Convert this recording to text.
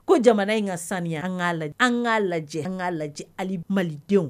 Ko jamana in ŋa sanuya an ŋ'a laj an ŋ'a lajɛ an ŋ'a lajɛ alib Malidenw